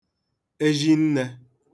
ezhinnē